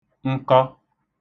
nkọ